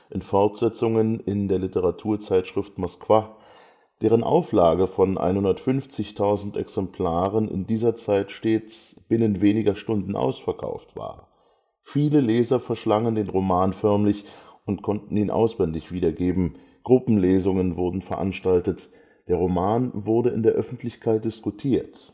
in Fortsetzungen in der Literaturzeitschrift „ Moskwa “, deren Auflage von 150.000 Exemplaren in dieser Zeit stets binnen weniger Stunden ausverkauft war. Viele Leser verschlangen den Roman förmlich und konnten ihn auswendig wiedergeben; Gruppenlesungen wurden veranstaltet, der Roman wurde in der Öffentlichkeit diskutiert